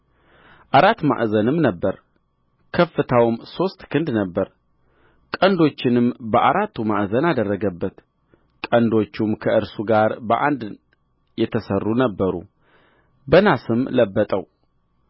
አራት ማዕዘንም ነበረ ከፍታው ሦስት ክንድ ነበረ ቀንዶቹንም በአራቱ ማዕዘን አደረገበት ቀንዶቹም ከእርሱ ጋር በአንድ የተሠሩ ነበሩ በናስም ለበጠው